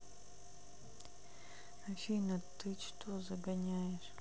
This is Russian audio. афина ты что загоняешь